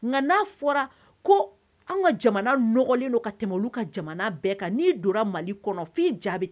Nka n'a fɔra ko anw ka jamana nɔgɔlen don ka tɛmɛ olu ka jamana bɛɛ kan n'i donna mali kɔnɔ f'i jaabi